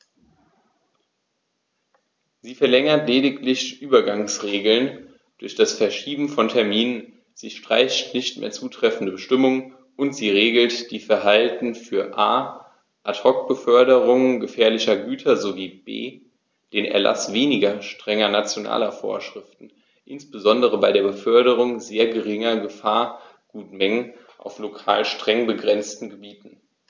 Sie verlängert lediglich Übergangsregeln durch das Verschieben von Terminen, sie streicht nicht mehr zutreffende Bestimmungen, und sie regelt die Verfahren für a) Ad hoc-Beförderungen gefährlicher Güter sowie b) den Erlaß weniger strenger nationaler Vorschriften, insbesondere bei der Beförderung sehr geringer Gefahrgutmengen auf lokal streng begrenzten Gebieten.